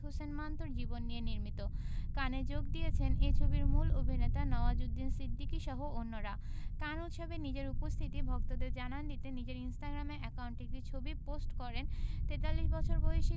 হাসান মান্টোর জীবন নিয়ে নির্মিত কানে যোগ দিয়েছেন এ ছবির মূল অভিনেতা নওয়াজুদ্দিন সিদ্দিকীসহ অন্যরা কান উৎসবে নিজের উপস্থিতি ভক্তদের জানান দিতে নিজের ইনস্টাগ্রাম অ্যাকাউন্টে একটি ছবি পোস্ট করেন ৪৩ বছর বয়সী